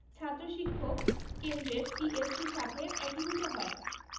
ছাত্র শিক্ষক কেন্দ্রের টিএসসি সাথে একীভূত হয়